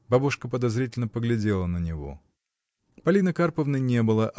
Бабушка подозрительно поглядела на него. Полины Карповны не было.